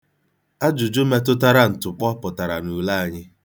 Ajụjụ metụtara ntụkpọ pụtara n'ule anyị.